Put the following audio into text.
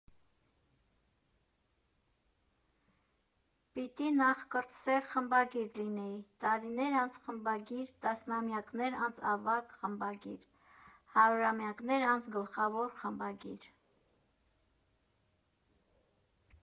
Պիտի նախ կրտսեր խմբագիր լինեի, տարիներ անց՝ խմբագիր, տասնամյակներ անց՝ ավագ խմբագիր, հարյուրամյակներ անց՝ գլխավոր խմբագիր։